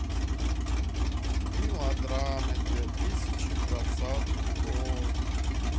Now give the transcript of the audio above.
мелодрамы две тысячи двадцатый год